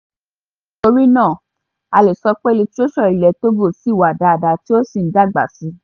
Torí náà a lè sọ pé litiréṣọ̀ ilẹ̀ Togo sì wà dáadáa tí ó sì ń dàgbà síi.